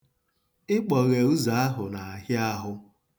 Ịkpọghe ụzọ ahụ na-ahịa ahụ.